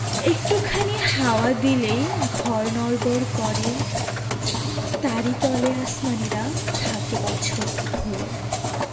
একটু খানি হাওয়া দিলেই ঘর নড়বড় করে তারি তলে আসমানীরা থাকে বছর ভরে